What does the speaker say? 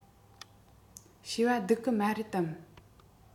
བྱིས པ སྡིག གི མ རེད དམ